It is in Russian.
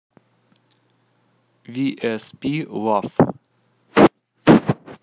wasp love